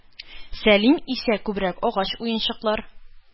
Сәлим исә күбрәк агач уенчыклар,